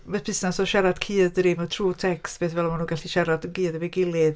Y busnes o siarad cudd dydy, mae o trwy'r tecs a pethau felly maen nhw'n gallu siarad yn gudd efo'i gilydd.